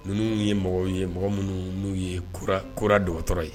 Ninnu ye ye mɔgɔ minnu' ye ko dɔgɔtɔ ye